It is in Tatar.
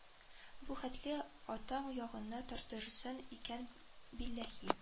Бу хәтле атаң ягына тартырсың икән билләһи